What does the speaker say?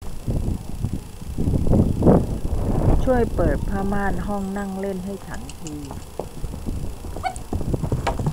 ช่วยเปิดผ้าม่านห้องนั่งเล่นให้ฉันที